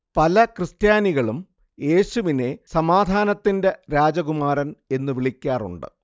പല ക്രിസ്ത്യാനികളും യേശുവിനെ സമാധാനത്തിന്റെ രാജകുമാരൻ എന്നു വിളിക്കാറുണ്ട്